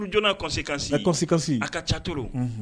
Jurujna kɔsi kasisi kɔsi kasisi a ka catoro